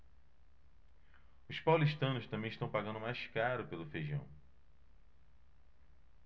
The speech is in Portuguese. os paulistanos também estão pagando mais caro pelo feijão